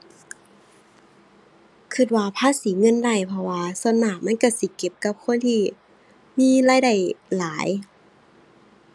คิดว่าภาษีเงินได้ เพราะว่าส่วนมากมันคิดสิเก็บกับคนที่มีรายได้หลาย